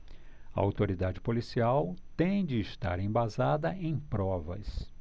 a autoridade policial tem de estar embasada em provas